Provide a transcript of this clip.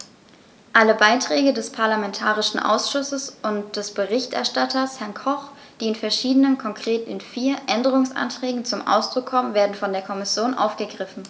Alle Beiträge des parlamentarischen Ausschusses und des Berichterstatters, Herrn Koch, die in verschiedenen, konkret in vier, Änderungsanträgen zum Ausdruck kommen, werden von der Kommission aufgegriffen.